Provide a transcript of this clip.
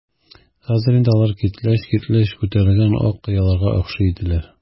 Хәзер инде алар киртләч-киртләч күтәрелгән ак кыяларга охшый иделәр.